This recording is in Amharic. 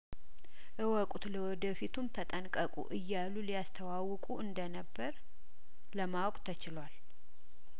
እወቁት ለወደፊቱም ተጠንቀቁ እያሉ ሊያስተዋውቁ እንደነበር ለማወቅ ተችሏል